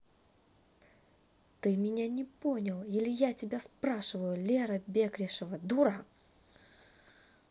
ты меня не понял или я тебя спрашиваю лера бекрешева дура